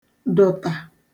dụtà